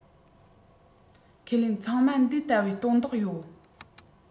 ཁས ལེན ཚང མ འདི ལྟ བུའི དོན དག ཡོད